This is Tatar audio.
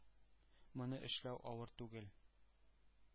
Моны эшләү авыр түгел.